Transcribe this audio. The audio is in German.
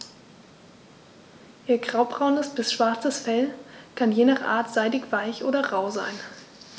Ihr graubraunes bis schwarzes Fell kann je nach Art seidig-weich oder rau sein.